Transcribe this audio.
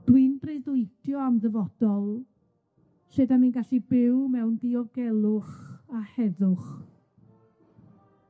Dwi'n breuddwydio am dyfodol, lle 'dan ni'n gallu byw mewn diogelwch a heddwch.